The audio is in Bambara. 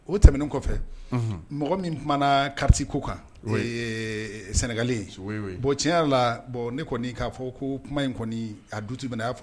O tɛmɛnen kɔfɛ mɔgɔ min tumana kari ko kan sɛnɛgalen bon tiɲɛya la ne kɔni'a fɔ ko kuma in kɔni a du mina na' fɔ